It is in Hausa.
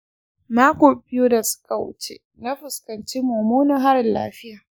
mako biyu da suka wuce na fuskanci mummunan harin lafiya.